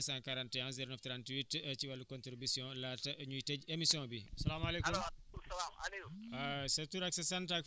ci numéro bii 77 241 09 38 241 09 38 ci wàllu contributions laata énuy tëj émission bi